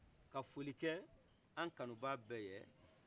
ka foli kɛ an kanubaga bɛɛ ye